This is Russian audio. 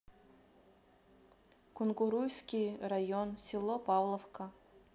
кунгурский район село павловка